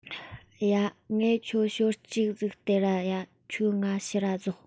ཡ ངས ཁྱོའ བཅུ ཤོག ཟིག སྟེར ཡ ཁྱོས ངའ ཕྱིར ར རྫོགས